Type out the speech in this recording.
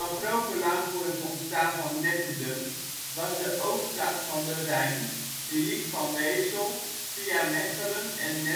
groot belang voor het ontstaan van Netterden was de oosttak van de Rijn, die liep van Wesel, via Megchelen en